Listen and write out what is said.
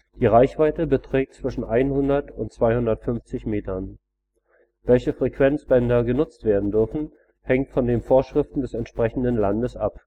die Reichweite beträgt zwischen 100 und 250 m. Welche Frequenzbänder genutzt werden dürfen, hängt von den Vorschriften des entsprechenden Landes ab